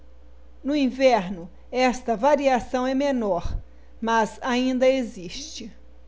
no inverno esta variação é menor mas ainda existe